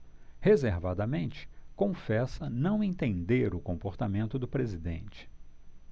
reservadamente confessa não entender o comportamento do presidente